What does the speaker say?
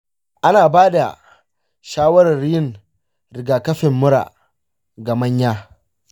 ana ba da shawarar yin rigakafin mura ga manya.